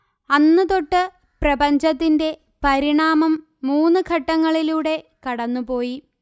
അന്നു തൊട്ട് പ്രപഞ്ചത്തിന്റെ പരിണാമം മൂന്നു ഘട്ടങ്ങളിലൂടെ കടന്നുപോയി